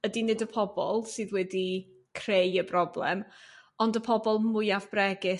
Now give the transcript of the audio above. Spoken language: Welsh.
ydy nid y pobol sydd wedi creu y broblem ond y pobol mwyaf bregus